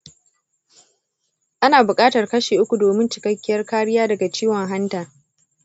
ana buƙatar kashi uku domin cikakkiyar kariya daga ciwon hanta